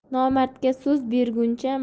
nomardga so'z berguncha